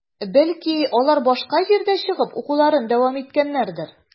Бәлки, алар башка җирдә чыгып, кууларын дәвам иткәннәрдер?